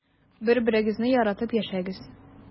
Бер-берегезне яратып яшәгез.